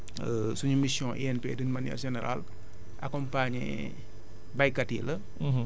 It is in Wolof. suñu mission INP d' une manière générale accompagner béykat yi la